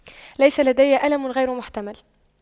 ليس لدي ألم غير محتمل